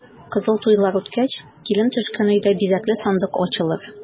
Кызыл туйлар үткәч, килен төшкән өйдә бизәкле сандык ачылыр.